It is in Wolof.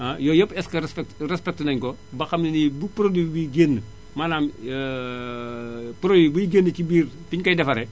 ah yooyu yépp est ce que respect respecte nañu ko ba xam ne nii bu produit biy géñn maanaam produit buy géñn ci biir fi ñu koy defaree